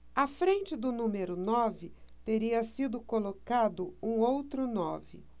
à frente do número nove teria sido colocado um outro nove